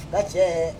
Ka tiɲɛ